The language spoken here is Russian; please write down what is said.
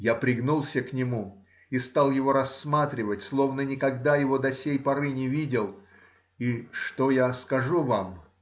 Я пригнулся к нему и стал его рассматривать, словно никогда его до сей поры не видел, и что я скажу вам?